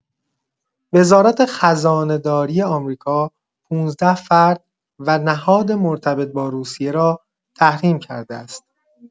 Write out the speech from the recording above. وزارت خزانه‌داری آمریکا ۱۵ فرد و نهاد مرتبط با روسیه را تحریم کرده است.